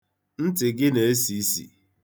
Ntị gị na-esi isi.